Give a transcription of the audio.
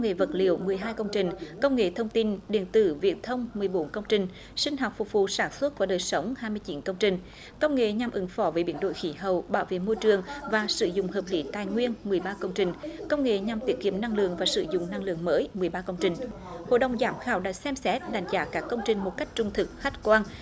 nghệ vật liệu mười hai công trình công nghệ thông tin điện tử viễn thông mười bốn công trình sinh học phục vụ sản xuất và đời sống hai mươi chín công trình công nghệ nhằm ứng phó với biến đổi khí hậu bảo vệ môi trường và sử dụng hợp lý tài nguyên mười ba công trình công nghệ nhằm tiết kiệm năng lượng và sử dụng năng lượng mới mười ba công trình hội đồng giám khảo đã xem xét đánh trả các công trình một cách trung thực khách quan